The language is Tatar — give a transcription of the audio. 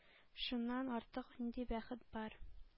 Шуннан артык нинди бәхет бар?!